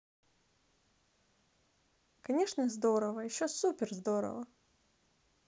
конечно здорово еще суперздорово